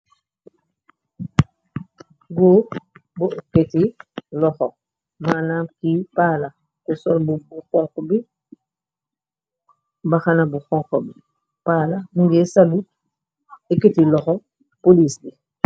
Góor bu ekketi loxo manam ki paala. Te sol lu xonk bi mbaxana bu xonk bi paala mungée sabu ekketi loxo polis bi.